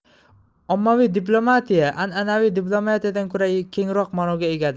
ommaviy diplomatiya an anaviy diplomatiyadan ko'ra kengroq ma'noga egadir